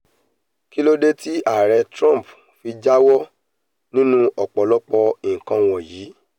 Kí ló dé tí Ààrẹ Trump fi jáwọ́ nínú ọ̀pọ̀lọpọ̀ nǹkan wọ̀nyí?